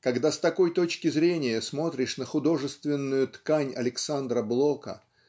Когда с такой точки зрения смотришь на художественную ткань Александра Блока